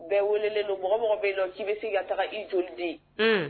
Bɛɛ welelen don mɔgɔmɔgɔ bɛ yen nɔn k'i bɛ se ka taa i joli den